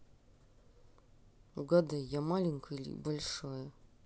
угадай я маленькая и большая